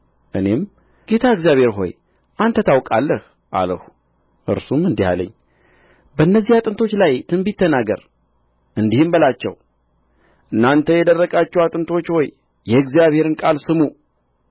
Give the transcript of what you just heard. እኔም ጌታ እግዚአብሔር ሆይ አንተ ታውቃለህ አልሁ እርሱም እንዲህ አለኝ በእነዚህ አጥንቶች ላይ ትንቢት ተናገር እንዲህም በላቸው እናንተ የደረቃችሁ አጥንቶች ሆይ የእግዚአብሔርን ቃል ሰሙ